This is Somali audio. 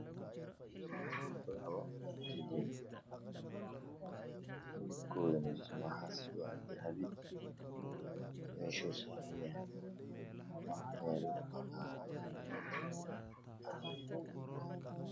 Labo jijin midabkiisa waa dahabi meesha ay saaran yahay waa meel banaan